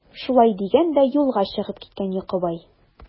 Шулай дигән дә юлга чыгып киткән Йокыбай.